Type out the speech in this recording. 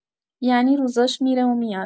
یعنی روزاش می‌ره و میاد.